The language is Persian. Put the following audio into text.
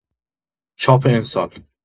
چاپ امسال